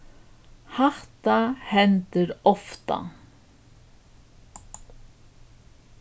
hatta hendir ofta